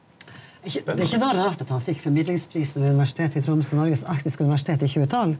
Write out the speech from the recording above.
det er ikke det er ikke noe rart at han fikk formidlingsprisen ved Universitetet i Tromsø Norges arktiske universitet i tjuetolv.